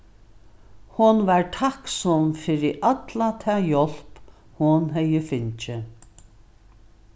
hon var takksom fyri alla ta hjálp hon hevði fingið